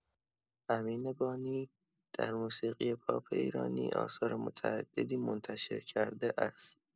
امین بانی در موسیقی پاپ ایرانی آثار متعددی منتشر کرده است.